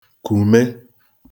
kùme